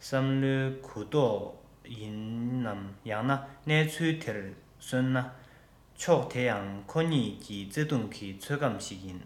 བསམ བློའི གུ དོག ཡིན ནམ ཡང ན གནས ཚུལ དེར སོམ ན ཕྱོགས དེ ཡང ཁོ གཉིས ཀྱི བརྩེ དུང གི ཚོད གམ ཞིག ཡིན